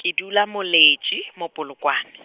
ke dula Moleti, mo Polokwane.